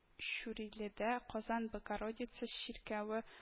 Чүриледә Казан Богородица чиркәве